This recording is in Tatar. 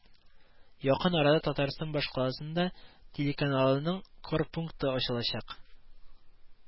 Якын арада Татарстан башкаласында телеканалының корпункты ачылачак